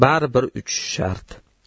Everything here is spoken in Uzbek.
bari bir uchishi shart